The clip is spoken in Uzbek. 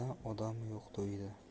odami yo'q to'yida